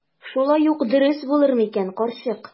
Шулай ук дөрес булыр микән, карчык?